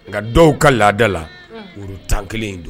Nka dɔw ka laadada la olu tan kelen don